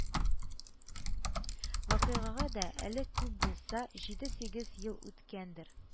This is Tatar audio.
Вакыйгага да әле күп булса җиде-сигез ел үткәндер